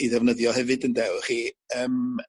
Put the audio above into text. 'i ddefnyddio hefyd ynde wch chi yym